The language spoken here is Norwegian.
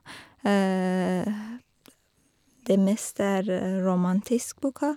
Det meste er romantisk boka.